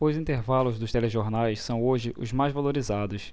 os intervalos dos telejornais são hoje os mais valorizados